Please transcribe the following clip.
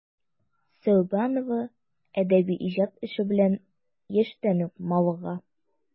Сәүбанова әдәби иҗат эше белән яшьтән үк мавыга.